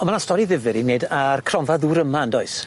On' ma' 'na stori ddifyr i neud a'r cronfa ddŵr yma yndoes?